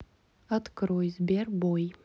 открой сбер бой